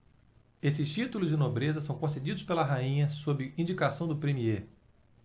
esses títulos de nobreza são concedidos pela rainha sob indicação do premiê